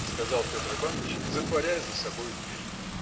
– сказал Петр Иваныч, затворяя за собою дверь.